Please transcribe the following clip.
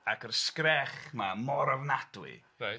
Ac yr sgrech 'ma mor ofnadwy. Reit.